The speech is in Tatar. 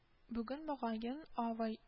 Бүген мөгаен авый